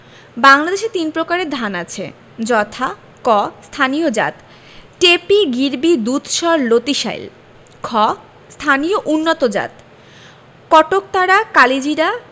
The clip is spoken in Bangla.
বাংলাদেশে তিন প্রকারের ধান আছে যথাঃ ক স্থানীয় জাতঃ টেপি গিরবি দুধসর লতিশাইল খ স্থানীয় উন্নতজাতঃ কটকতারা কালিজিরা